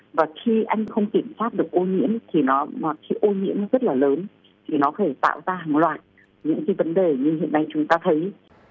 và khi anh không kiểm soát được ô nhiễm thì nó mọt khi ô nhiễm nó rất là lớn thì nó có thể tạo ra hàng loạt những cái vấn đề như hiện nay chúng ta thấy